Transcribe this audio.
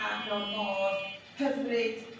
a mewn modd hyfryd